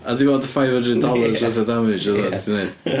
A dim ond y five hundred dollars worth of damage oedd o'n gallu wneud?